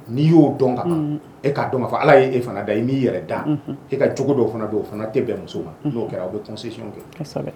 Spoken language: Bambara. N'i y'o dɔn ka kan e k'a dɔn ala y'e fana da ye n'i yɛrɛ da e ka jugu dɔw fana don o fana tɛ bɛn muso ma'o kɛra aw bɛ kunsisi kɛ